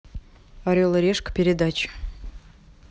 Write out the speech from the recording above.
орел и решка передача